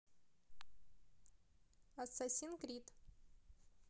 ассасин крид